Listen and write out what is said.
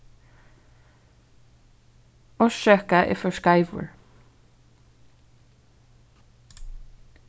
orsaka eg fór skeivur